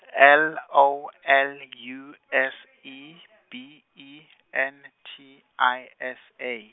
L O L U S E B E N T I S A.